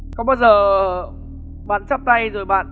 có bao giờ bạn chắp tay rồi bạn